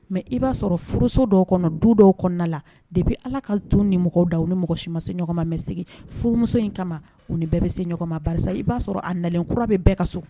Mɛ i b'a sɔrɔ furuuso dɔw kɔnɔ du dɔw kɔnɔna na de bɛ ala ka to ni mɔgɔw da u ni mɔgɔ si ma se ɲɔgɔn ma mɛ segin furumuso in kama u ni bɛɛ bɛ se ma i b'a sɔrɔ a nalen kura bɛ bɛɛ ka so